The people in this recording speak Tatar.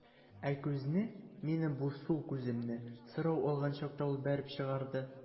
Ә күзне, минем бу сул күземне, сорау алган чакта ул бәреп чыгарды.